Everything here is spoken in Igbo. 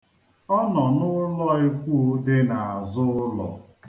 Ọ nọ n'ụlọikwu dị n'azụ ụlọ.